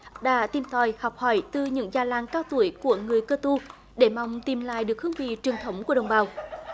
đã tìm tòi học hỏi từ những già làng cao tuổi của người cơ tu để mong tìm lại được hương vị truyền thống của đồng bào